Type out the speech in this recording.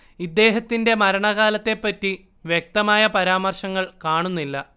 ഇദ്ദേഹത്തിന്റെ മരണകാലത്തെപ്പറ്റി വ്യക്തമായ പരാമർശങ്ങൾ കാണുന്നില്ല